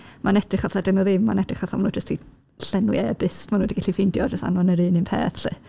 Mae'n edrych fatha 'dyn nhw ddim. Mae'n edrych fatha 'ma nhw jyst 'di llenwi e-byst ma' nhw 'di gallu ffeindio a jyst anfon yr un un peth 'lly.